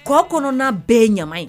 Kɔɔ kɔnɔna bɛɛ ye ɲaman ye